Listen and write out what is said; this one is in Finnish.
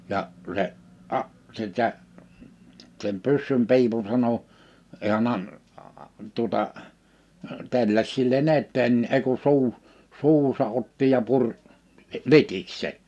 ja se - sitä sen pyssynpiipun sanoi hän - tuota telläsi sillä tavalla eteen niin ei kuin - suuhunsa otti ja puri litiksi sen